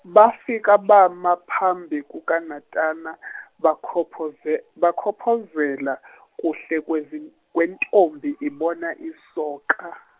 bafika bama phambi kukaNatana bakhophoze- bakhophozela kuhle kwezi- kwentombi ibona isoka.